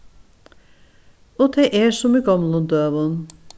og tað er sum í gomlum døgum